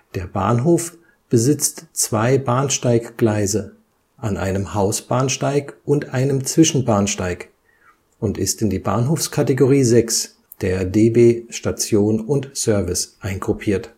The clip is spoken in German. Der Bahnhof besitzt zwei Bahnsteiggleise an einem Haus - und einem Zwischenbahnsteig und ist in die Bahnhofskategorie 6 der DB Station&Service eingruppiert